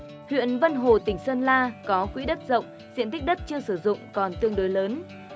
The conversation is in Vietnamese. huyện vân hồ tỉnh sơn la có quỹ đất rộng diện tích đất chưa sử dụng còn tương đối lớn